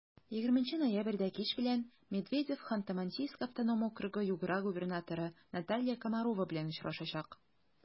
20 ноябрьдә кич белән медведев ханты-мансийск автоном округы-югра губернаторы наталья комарова белән очрашачак.